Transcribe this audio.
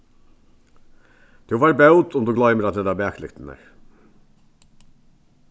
tú fært bót um tú gloymir at tendra baklyktirnar